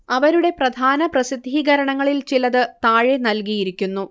അവരുടെ പ്രധാന പ്രസിദ്ധീകരണങ്ങളിൽ ചിലത് താഴെ നൽകിയിരിക്കുന്നു